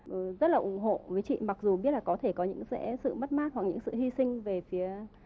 rất là ủng hộ với chị mặc dù biết là có thể có những sẽ sự mất mát hoặc những sự hy sinh về phía